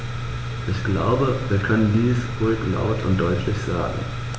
Ich glaube, wir können dies ruhig laut und deutlich sagen.